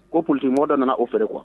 Ko politiciens dɔ nana o feere kuwa.